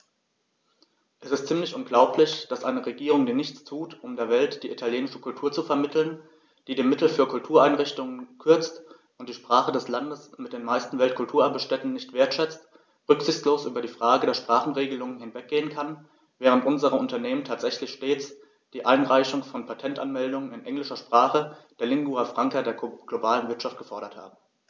Es ist ziemlich unglaublich, dass eine Regierung, die nichts tut, um der Welt die italienische Kultur zu vermitteln, die die Mittel für Kultureinrichtungen kürzt und die Sprache des Landes mit den meisten Weltkulturerbe-Stätten nicht wertschätzt, rücksichtslos über die Frage der Sprachenregelung hinweggehen kann, während unsere Unternehmen tatsächlich stets die Einreichung von Patentanmeldungen in englischer Sprache, der Lingua Franca der globalen Wirtschaft, gefordert haben.